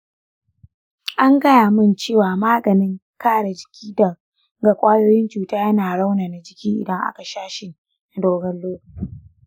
an gaya min cewa maganin kare jiki daga kwayoyin cuta yana raunana jiki idan aka sha shi na dogon lokaci.